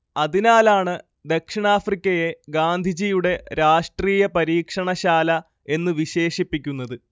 അതിനാലാണ് ദക്ഷിണാഫ്രിക്കയെ ഗാന്ധിജിയുടെ രാഷ്ട്രീയ പരീക്ഷണ ശാല എന്നു വിശേഷിപ്പിക്കുന്നത്